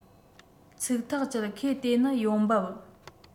ཚིག ཐག བཅད ཁོས དེ ནི ཡོང འབབ